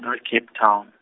na Cape Town.